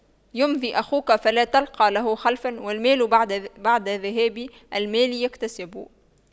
يمضي أخوك فلا تلقى له خلفا والمال بعد ذهاب المال يكتسب